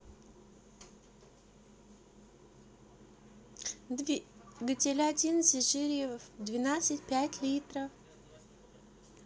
двигатель один джезерье в двенадцать пять литров